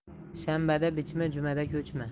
shanbada bichma jumada ko'chma